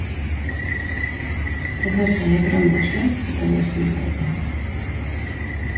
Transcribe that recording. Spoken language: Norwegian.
Så hørte jeg brannvarsleren, forteller Solveig Eng.